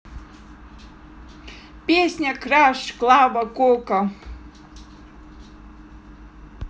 песня краш клава кока